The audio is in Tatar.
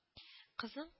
Кызың